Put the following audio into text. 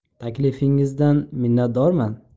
taklifingizdan minatdorman